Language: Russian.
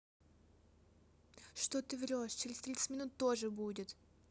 что ты врешь через тридцать минут тоже будет